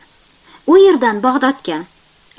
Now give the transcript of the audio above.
u yerdan bag'dodga